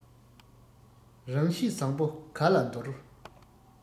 རང བཞིན བཟང པོ ག ལ འདོར